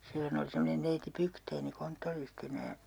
silloin oli semmoinen neiti Bygden konttoristina ja